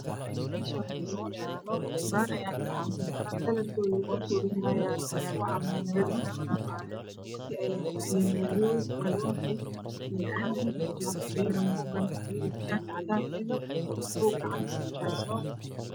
Meshan waxa iyaalo bugag kalarkoda ukakobanyahay balug iyo madow iyo canbi waxakusawiran buugan wiil shaticadan wato buug gacantakuhesto